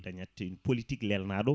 dañat ti politique lelnaɗo